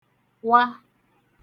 -wa